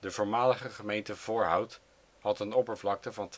voormalige gemeente Voorhout had een oppervlakte van